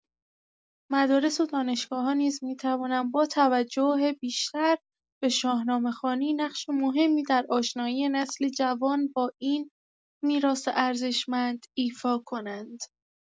مدارس و دانشگاه‌‌ها نیز می‌توانند با توجه بیشتر به شاهنامه‌خوانی، نقش مهمی در آشنایی نسل جوان با این میراث ارزشمند ایفا کنند.